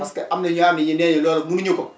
parce que am na ñi nga xam ne nii nee nañu loolu mënuñu ko